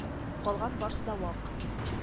Калган барысы да вак